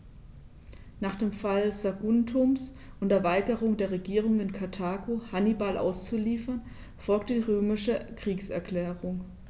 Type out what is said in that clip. Nach dem Fall Saguntums und der Weigerung der Regierung in Karthago, Hannibal auszuliefern, folgte die römische Kriegserklärung.